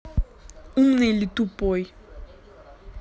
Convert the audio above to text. умный или тупой